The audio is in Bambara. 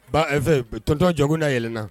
Ba a fɛ tɔntɔn ja na yɛlɛɛlɛn na